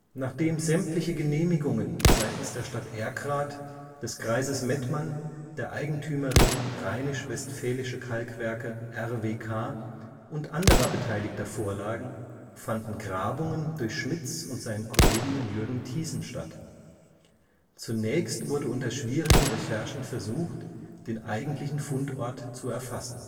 Nachdem sämtliche Genehmigungen seitens der Stadt Erkrath, des Kreises Mettmann, der Eigentümerin Rheinisch-Westfälische Kalkwerke (RWK) und anderer Beteiligter vorlagen, fanden Grabungen durch Schmitz und seinen Kollegen Jürgen Thiessen statt. Zunächst wurde unter schwierigen Recherchen versucht, den eigentlichen Fundort zu erfassen